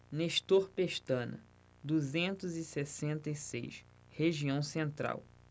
nestor pestana duzentos e sessenta e seis região central